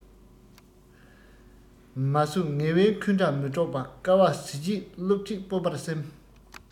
མ བཟོད ངལ བའི འཁུན སྒྲ མི སྒྲོག པ དཀའ བ གཟི བརྗིད སློབ ཁྲིད སྤོབས པར སེམས